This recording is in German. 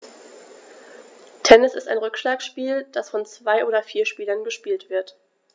Tennis ist ein Rückschlagspiel, das von zwei oder vier Spielern gespielt wird.